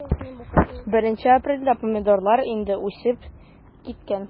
1 апрельдә помидорлар инде үсеп киткән.